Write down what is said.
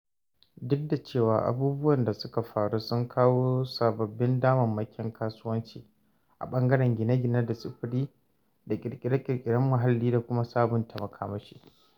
Duk da cewa abubuwan da suka faru sun kawo sababbin damarmakin kasuwanci a ɓangaren gine-gine da sufuri da ƙirƙiren muhalli da kuma sabunta makamashi.